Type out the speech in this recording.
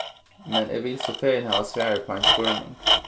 men eg vil so fegin hava svar uppá ein spurning